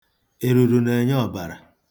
Eruru na-enye ọbara.